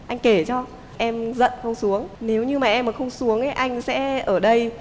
anh kể cho em giận không xuống nếu như mà em mà không xuống ý anh sẽ ở đây